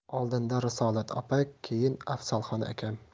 oldinda risolat opa keyin afzalxon akam